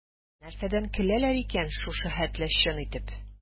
Нәрсәдән көләләр икән шушы хәтле чын итеп?